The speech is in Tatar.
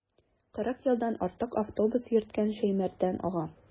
Кырык елдан артык автобус йөрткән Шәймәрдан ага.